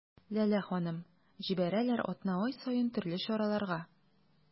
Ләлә ханым: җибәрәләр атна-ай саен төрле чараларга.